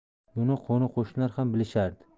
buni qo'ni qo'shnilar ham bilishardi